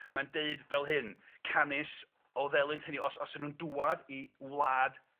mae'n deud fel hyn canys o ddelynt hynny yw os os y'n nw'n dŵad i wlad